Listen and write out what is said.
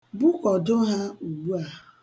Bukọdo ha ugbua.